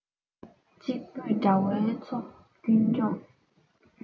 གཅིག པུས དགྲ བོའི ཚོགས ཀུན བཅོམ